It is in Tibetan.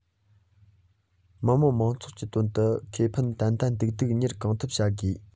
མི དམངས མང ཚོགས ཀྱི དོན དུ ཁེ ཕན ཏན ཏན ཏིག ཏིག གཉེར གང ཐུབ བྱ དགོས